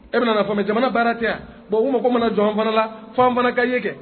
E bɛna fɔ jamana baara caya bon u ma mana jɔn fanala fan fana ka ɲɛ kɛ